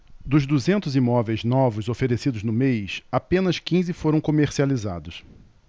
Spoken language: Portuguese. dos duzentos imóveis novos oferecidos no mês apenas quinze foram comercializados